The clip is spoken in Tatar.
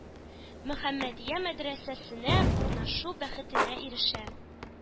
-мөхәммәдия, мәдрәсәсенә урнашу бәхетенә ирешә.